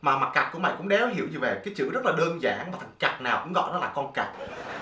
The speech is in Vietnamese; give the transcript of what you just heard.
mà mặt cặc của mày cũng đéo hiểu gì về cái chữ rất là đơn giản mà thằng cặc nào cũng gọi nó là con cặc